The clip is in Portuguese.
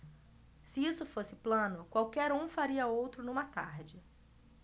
se isso fosse plano qualquer um faria outro numa tarde